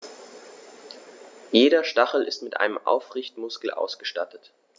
Jeder Stachel ist mit einem Aufrichtemuskel ausgestattet.